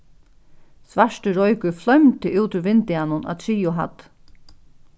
svartur roykur floymdi út úr vindeygunum á triðju hædd